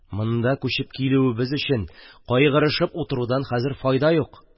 Монда күчеп килүебез өчен кайгырышудан хәзер файда юк